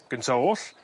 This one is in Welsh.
gynta oll